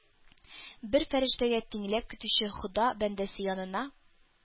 Бер фәрештәгә тиңләп көтүче хода бәндәсе янына.